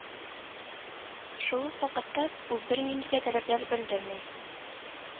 Шул ук вакытта ул бернинди дә таләпләр белдерми